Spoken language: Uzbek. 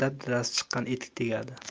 dabdalasi chiqqan etik tegadi